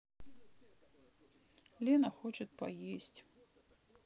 лена хочет поесть